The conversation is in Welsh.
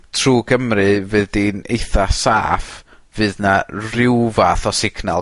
Trw Cymru fydd di'n eitha saff. Fydd 'na ryw fath o signal